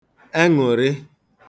enụ̀rị